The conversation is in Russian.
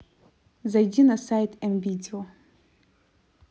зайди на сайт м видео